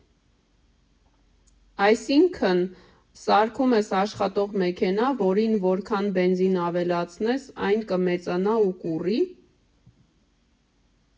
Այսինքն՝ սարքում ես աշխատող մեքենա, որին որքան բենզին ավելացնես, այն կմեծանա ու կուռի։